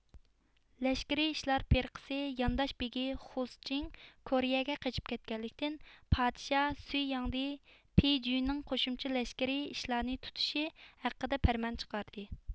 لەشكىرىي ئىشلار پىرقىسى يانداش بېگى خۇسجېڭ كورىيەگە قېچىپ كەتكەنلىكتىن پادىشاھ سۈي ياڭدى پېي جۈنىڭ قوشۇمچە لەشكىرىي ئىشلارنى تۇتۇشى ھەققىدە پەرمان چىقاردى